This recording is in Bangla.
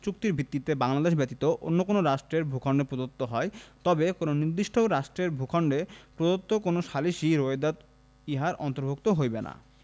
চুক্তির ভিত্তিতে বাংলাদেশ ব্যতীত অন্য কোন রাষ্ট্রের ভূখন্ডে প্রদত্ত হয় তবে কোন নির্দিষ্ট রাষ্ট্রের ভূখন্ডে প্রদত্ত কোন সালিসী রোয়েদাদ ইহার অন্তর্ভুক্ত হইবে না